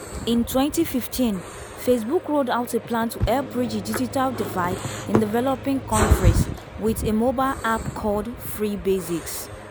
In 2015, Facebook rolled out a plan to help bridge the digital divide in developing countries with a mobile app called “Free Basics”.